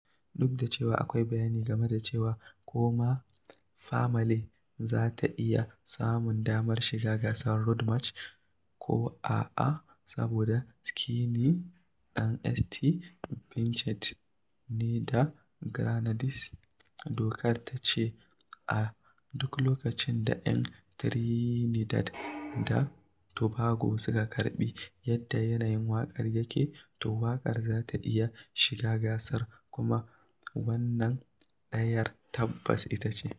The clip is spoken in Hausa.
Duk da cewa akwai bayanai game da cewa ko ma "Famalay" za ta iya samun damar shiga gasar Road March ko a'a, saboda Skinny ɗan St. ɓincent ne da Grenadines, dokar ta ce a duk lokcin da 'yan Trinidad da Tobago suka karɓi yadda yanayin waƙar yake, to waƙar za ta iya shiga gasar - kuma wannan ɗayar tabbas ita ce.